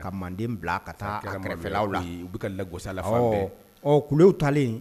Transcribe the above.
Ka manden bila ka taa kɛrɛfɛlaw la u bɛkɔsala ɔ kule talen